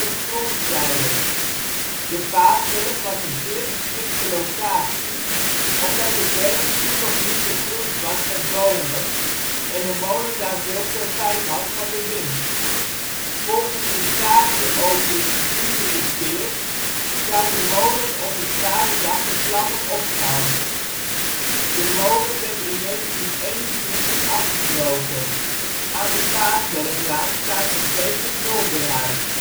grondzeiler. De Paasberg was een zeer geschikte locatie omdat de berg toen nog niet begroeid was met bomen en de molen daar veel profijt had van de wind. Volgens de sage over het glujende peerd zou de molen op een kwade dag in vlammen opgaan. De molen werd in 1921 afgebroken. Aan de Paasberglaan staat nog steeds het Mulderhuis